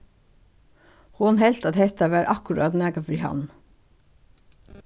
hon helt at hetta var akkurát nakað fyri hann